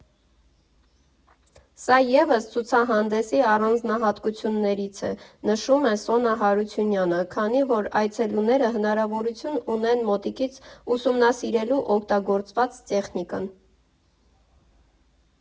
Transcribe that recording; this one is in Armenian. Սա ևս ցուցահանդեսի առանձնահատկություններից է, նշում է Սոնա Հարությունյանը, քանի որ այցելուները հնարավորություն ունեն մոտիկից ուսումնասիրելու օգտագործված տեխնիկան։